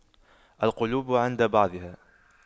القلوب عند بعضها